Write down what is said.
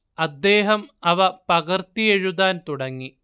അദ്ദേഹം അവ പകര്‍ത്തി എഴുതാന്‍ തുടങ്ങി